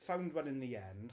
Found one in the end.